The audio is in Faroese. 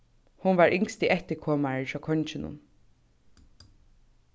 hon var yngsti eftirkomari hjá konginum